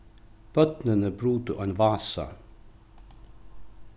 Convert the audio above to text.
børnini brutu ein vasa